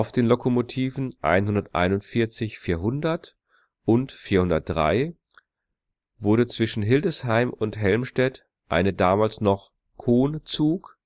den Lokomotiven 141 400 und 403 wurde zwischen Hildesheim und Helmstedt eine damals noch Konzug